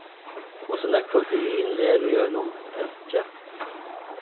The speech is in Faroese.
hvussu nógv protein er í einum eggi